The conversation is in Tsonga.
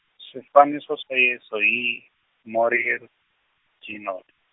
swifaniso swa Yesu hi, Morier, Genoud.